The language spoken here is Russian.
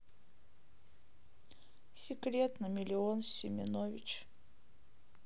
секрет на миллион с семенович